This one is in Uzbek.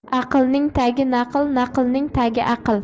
aqlning tagi naql naqlning tagi aql